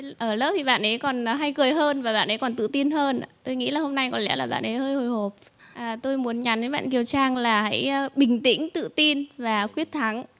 ở lớp thì bạn ấy còn hay cười hơn và bạn ấy còn tự tin hơn tôi nghĩ là hôm nay có lẽ là bạn ấy hơi hồi hộp à tôi muốn nhắn đến bạn kiều trang là hãy bình tĩnh tự tin và quyết thắng